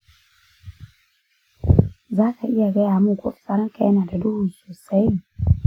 za ka iya gaya min ko fitsarinka yana da duhu sosai?